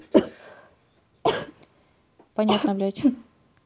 понятно блядь